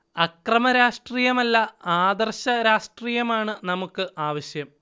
അക്രമ രാഷ്ട്രീയമല്ല ആദർശ രാഷട്രീയമാണ് നമുക്ക് ആവശ്യം